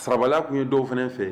Saba tun ye dɔw fana fɛ